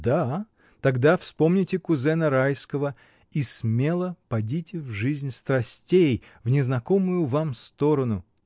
— Да, тогда вспомните кузена Райского и смело подите в жизнь страстей, в незнакомую вам сторону.